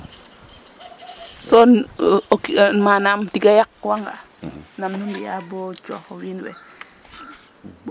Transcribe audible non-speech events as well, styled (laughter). so o o kiin (hesitation) manaam tig a yaqwanga nam nu mbi'aa bo coox wiin we